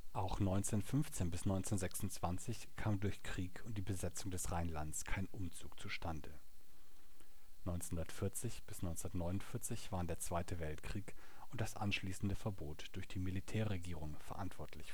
Auch 1915 bis 1926 kam durch Krieg und die Besetzung des Rheinlandes kein Umzug zustande. 1940 bis 1949 waren der Zweite Weltkrieg und das anschließende Verbot durch die Militärregierung verantwortlich